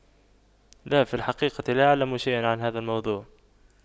لا في الحقيقة لا أعلم شيئا عن هذا الموضوع